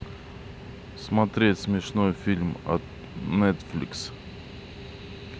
смотреть смешной фильм от нетфликс